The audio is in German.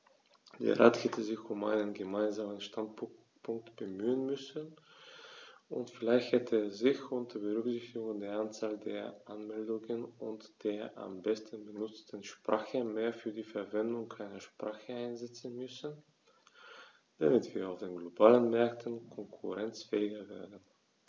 Der Rat hätte sich um einen gemeinsamen Standpunkt bemühen müssen, und vielleicht hätte er sich, unter Berücksichtigung der Anzahl der Anmeldungen und der am meisten benutzten Sprache, mehr für die Verwendung einer Sprache einsetzen müssen, damit wir auf den globalen Märkten konkurrenzfähiger werden.